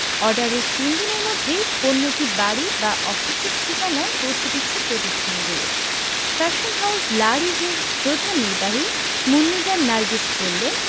অর্ডারের তিন দিনের মধ্যে পণ্যটি বাড়ি বা অফিসের ঠিকানায় পৌঁছে দিচ্ছে প্রতিষ্ঠানগুলো ফ্যাশন হাউস লা রিবের প্রধান নির্বাহী মুন্নুজান নার্গিস বললেন